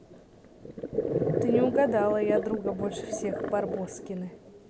ты не угадала я другу больше всех барбоскины